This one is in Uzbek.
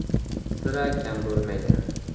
sira kam bo'lmaysan